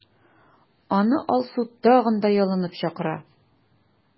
Аны Алсу тагын ялынып чакыра.